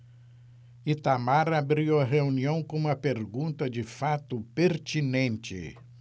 itamar abriu a reunião com uma pergunta de fato pertinente